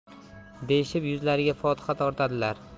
deyishib yuzlariga fotiha tortadilar